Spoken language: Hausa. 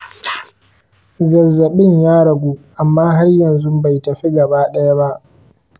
zazzabin ya ragu amma har yanzu bai tafi gaba ɗaya ba.